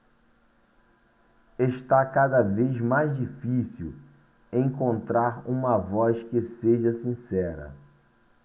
está cada vez mais difícil encontrar uma voz que seja sincera